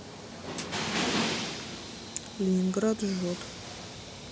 ленинград жжет